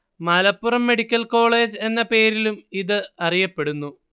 Malappuram medical college എന്ന പേരിലും ഇത് അറിയപ്പെടുന്നു